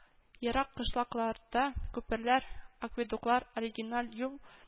Ерак кышлакларда күперләр, акведуклар, оригиналь юл